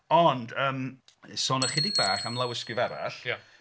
Ond yym, sôn ychydig bach am lawysgrif arall...